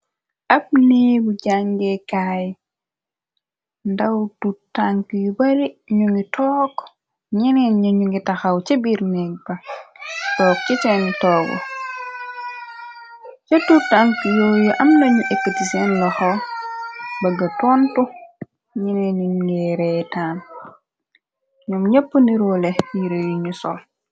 Ab neegu jàngeekaay ndaw tu tànk yu bari ñu ngi took ñeneen ñë ñu ngi taxaw ca biir nek ba took ci cani toog ca tutank yoo yu am nañu epti see ndoxo ba ga tonto ñeneen nit nga ree taan ñoom ñepp ndiroole yir yu ñu sol.